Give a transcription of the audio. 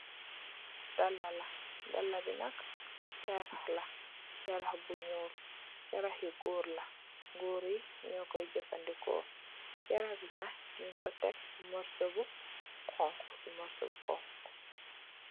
Dalla la, dalla bi nak charah la. Charah bi ñuul, charah he gòor la. Goor yi ñoo koy jafadeko. Charah bi nak nung ko tekk ci morsu bu honku, morso bu honku.